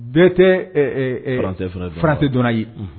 Bɛɛ tɛɛ ɛ ɛ ɛ français fɔla ye français dɔnna ye